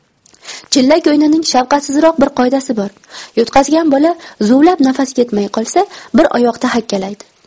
chillak o'yinining shafqatsizroq bir qoidasi bor yutqazgan bola zuvlab nafasi yetmay qolsa bir oyoqda hakkalaydi